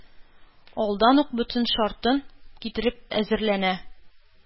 Алдан ук бөтен шартын китереп әзерләнә: